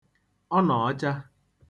ọnọ̀ọcha